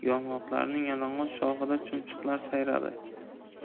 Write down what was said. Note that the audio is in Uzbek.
yong'oqlarning yalang'och shoxida chum chuqlar sayradi